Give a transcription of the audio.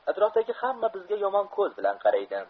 atrofdagi hamma bizga yomon ko'z bilan qaraydi